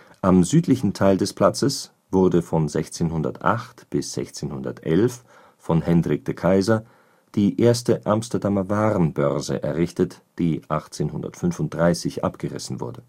Am südlichen Teil des Platzes wurde von 1608 bis 1611 von Hendrick de Keyser die erste Amsterdamer Warenbörse errichtet, die 1835 abgerissen wurde